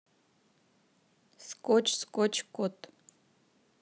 скотч скотч кот